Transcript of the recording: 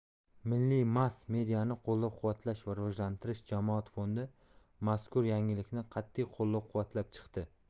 milliy mass mediani qo'llab quvvatlash va rivojlantirish jamoat fondi mazkur yangilikni qat'iy qo'llab quvvatlab chiqdi